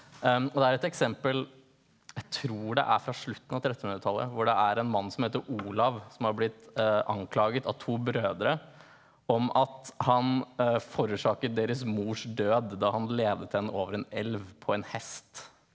og det er et eksempel jeg tror det fra slutten av trettenhundretallet hvor det er en mann som heter Olav som har blitt anklaget av to brødre om at han forårsaket deres mors død da han ledet henne over en elv på en hest.